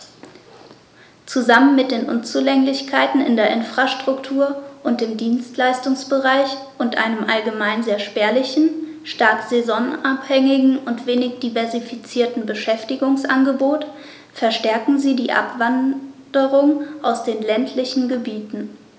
Zusammen mit den Unzulänglichkeiten in der Infrastruktur und im Dienstleistungsbereich und einem allgemein sehr spärlichen, stark saisonabhängigen und wenig diversifizierten Beschäftigungsangebot verstärken sie die Abwanderung aus den ländlichen Gebieten.